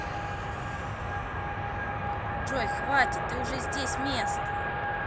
джой хватит ты уже здесь место